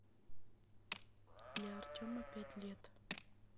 для артема пять лет